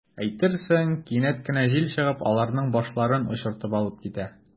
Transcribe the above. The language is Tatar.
Әйтерсең, кинәт кенә җил чыгып, аларның “башларын” очыртып алып китә.